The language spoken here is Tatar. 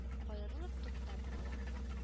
Каерылып туктап кала